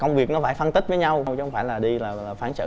công việc nó phải phân tích với nhau còn không phải là đi vào phán xử